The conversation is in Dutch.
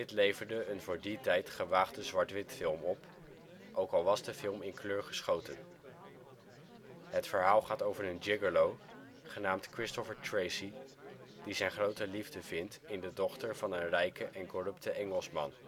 leverde een voor die tijd gewaagde zwartwitfilm op, ook al was de film in kleur geschoten. Het verhaal gaat over een gigolo genaamd Christopher Tracy die zijn grote liefde vindt in de dochter van een rijke en corrupte Engelsman